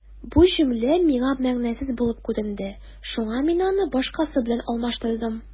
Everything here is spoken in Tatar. Бу җөмлә миңа мәгънәсез булып күренде, шуңа мин аны башкасы белән алмаштырдым.